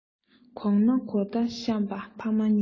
གོང ན གོ བརྡ གཤམ ན ཕ མ གཉིས